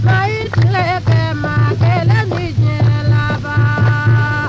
maa y'i tile kɛ maa kelen tɛ diɲɛ laban